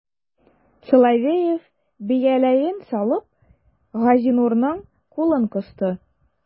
Соловеев, бияләен салып, Газинурның кулын кысты.